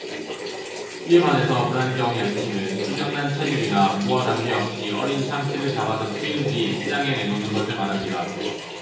이에 반해서 불안정 양식은 수정란 채집이나 부화 단계 없이 어린 참치를 잡아서 키운 뒤 시장에 내놓는 것을 말합니다